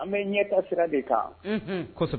An bɛ ɲɛta sira de kan unhun kɔsɛb